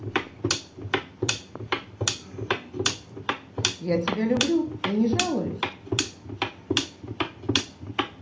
я тебя люблю и не жалуюсь